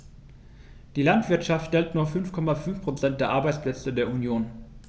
Die Landwirtschaft stellt nur 5,5 % der Arbeitsplätze der Union.